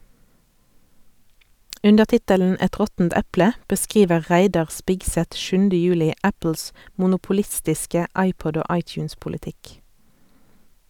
Under tittelen "Et råttent eple" beskriver Reidar Spigseth 7. juli Apples monopolistiske iPod- og iTunes-politikk.